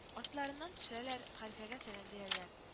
Артларыннан төшәләр, хәлфәгә сәлам бирәләр